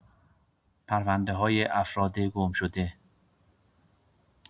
پرونده‌‌های افراد گم‌شده